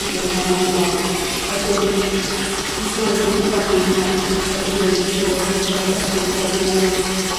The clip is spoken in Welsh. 'di bod yn rhan ohono fo. Wedyn dwi'n sylwi bo' 'na rwbath yngnhlŷn â ca'l cartre' dy hun dwi siŵr ne' rwbath tebyg yn bob un o rhein.